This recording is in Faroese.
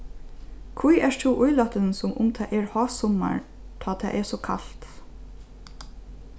hví ert tú ílatin sum um tað er hásummar tá tað er so kalt